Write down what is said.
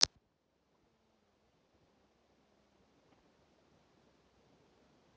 сериал надежда вторая серия